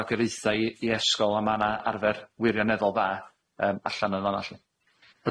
ragoraetha i i e-ysgol a ma' 'na arfer wirioneddol dda yym allan yn fa' 'na lly.